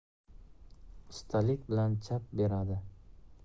ustalik bilan chap beradi